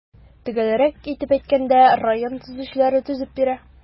Төгәлрәк итеп әйткәндә, район төзүчеләре төзеп бирә.